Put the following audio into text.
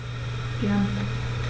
Gern.